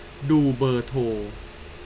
ดูเบอร์โทร